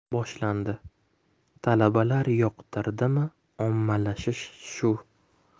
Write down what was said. boshlandi talabalar yoqtirdimi ommalashish shu